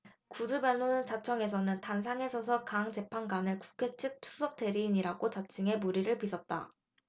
구두변론을 자청해서는 단상에 서서 강 재판관을 국회 측 수석대리인이라고 지칭해 물의를 빚었다